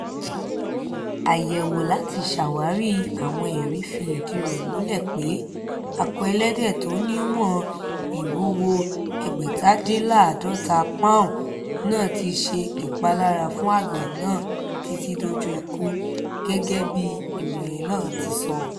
Àyẹ̀wò láti ṣàwárí àwọn ẹ̀rí fi ìdí rẹ̀ múlẹ̀ pé akọ ẹlẹ́dẹ̀ tó níwọn ìwúwo ẹgbẹ̀tadínláàádọ́ta pọ́un náà ti ṣe ìpalára fún àgbẹ̀ náà títí dójú ikù, gẹ́gẹ́bí ìròyìn náà ti sọ.